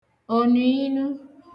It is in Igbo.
ònùinu